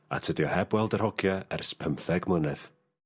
A tydi o heb weld yr hogia ers pymtheg mlynedd.